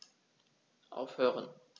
Aufhören.